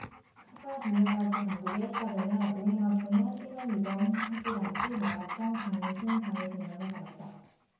사가미하라시 당국에 따르면 우에마쓰는 이 월 입원했을 당시 마약성 정신장애진단을 받았다